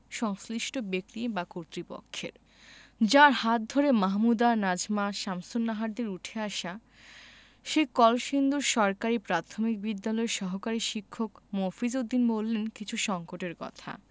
সংশ্লিষ্ট ব্যক্তি বা কর্তৃপক্ষের যাঁর হাত ধরে মাহমুদা নাজমা শামসুন্নাহারদের উঠে আসা সেই কলসিন্দুর সরকারি প্রাথমিক বিদ্যালয়ের সহকারী শিক্ষক মফিজ উদ্দিন বললেন কিছু সংকটের কথা